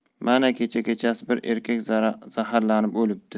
mana kecha kechasi bir erkak zaharlanib o'libdi